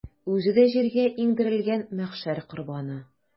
Үзе дә җиргә иңдерелгән мәхшәр корбаны.